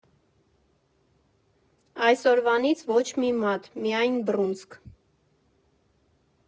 Այսօրվանից՝ ոչ մի մատ, միայն բռունցք»։